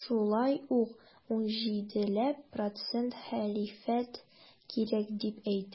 Шулай ук 17 ләп процент хәлифәт кирәк дип әйтә.